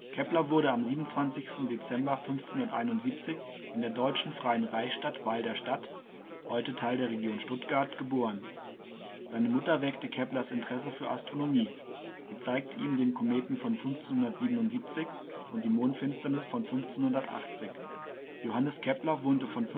Kepler wurde am 27. Dezember 1571 in der deutschen Freien Reichsstadt Weil der Stadt, heute Teil der Region Stuttgart, geboren. Seine Mutter weckte Keplers Interesse für Astronomie: Sie zeigte ihm den Kometen von 1577 und die Mondfinsternis von 1580. Johannes Kepler wohnte von